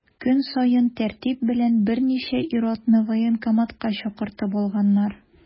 Көн саен тәртип белән берничә ир-атны военкоматка чакыртып алганнар.